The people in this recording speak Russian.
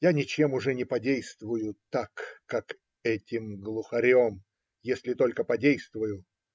Я ничем уже не подействую так, как этим глухарем, если только подействую.